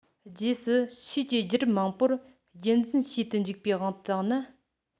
རྗེས སུ ཕྱིས ཀྱི རྒྱུད རབས མང པོར རྒྱུད འཛིན བྱེད དུ འཇུག པའི དབང དུ བཏང ན